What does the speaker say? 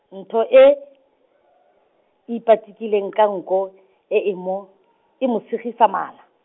ntho e , ipatikileng ka nko, e e mo , e mo segisa mala.